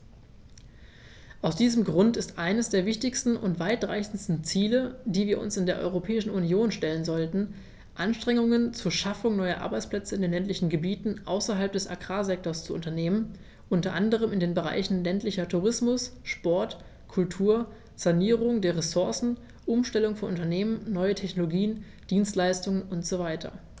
Aus diesem Grund ist es eines der wichtigsten und weitreichendsten Ziele, die wir uns in der Europäischen Union stellen sollten, Anstrengungen zur Schaffung neuer Arbeitsplätze in den ländlichen Gebieten außerhalb des Agrarsektors zu unternehmen, unter anderem in den Bereichen ländlicher Tourismus, Sport, Kultur, Sanierung der Ressourcen, Umstellung von Unternehmen, neue Technologien, Dienstleistungen usw.